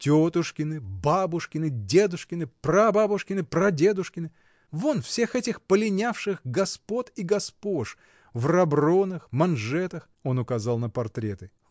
— Тетушкины, бабушкины, дедушкины, прабабушкины, прадедушкины: вон всех этих полинявших господ и госпож в робронах, манжетах. Он указал на портреты.